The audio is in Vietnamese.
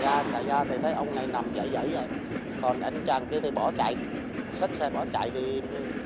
chạy ra thì thấy ông này nằm giãy giãy rồi còn anh chàng kia thì bỏ chạy xách xe bỏ chạy thì